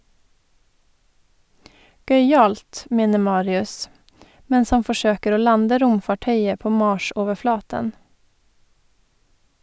- Gøyalt, mener Marius, mens han forsøker å lande romfartøyet på Mars-overflaten.